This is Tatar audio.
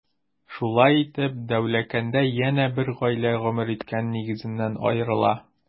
Шулай итеп, Дәүләкәндә янә бер гаилә гомер иткән нигезеннән аерыла.